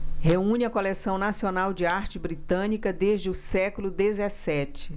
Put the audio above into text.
reúne a coleção nacional de arte britânica desde o século dezessete